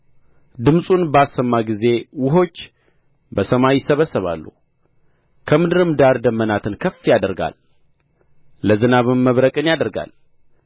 ድምፁን ባሰማ ጊዜ ውኆች በሰማይ ይሰበሰባሉ ከምድርም ዳር ደመናትን ከፍ ያደርጋል ለዝናቡም መብረቅን ያደርጋል